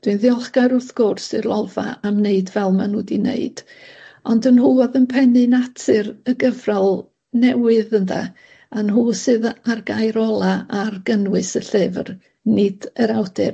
Dwi'n ddiolchgar, wrth gwrs, i'r Lolfa am wneud fel ma' nw 'di wneud ond y nhw o'dd yn pennu natur y gyfrol newydd ynde a nw sydd a- a'r gair ola ar gynnwys y llyfr, nid yr awdur.